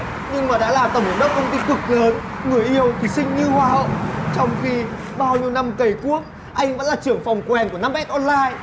nhưng mà đã là tổng giám đốc công ty cực lớn người yêu thì xinh như hoa hậu trong khi bao nhiêu năm cầy quốc anh vẫn là trưởng phòng quèn của năm ét on lai